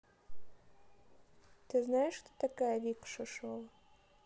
ты знаешь кто такая вика шишова